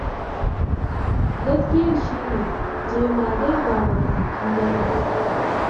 Gaskiyar shi ne jemagai ba makafi bane.